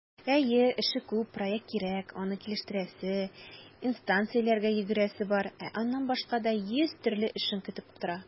Әйе, эше күп - проект кирәк, аны килештерәсе, инстанцияләргә йөгерәсе бар, ә аннан башка да йөз төрле эшең көтеп тора.